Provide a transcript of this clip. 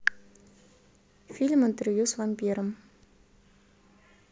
фильм интервью с вампиром